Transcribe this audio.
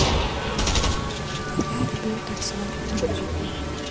а я люблю танцевать под музыку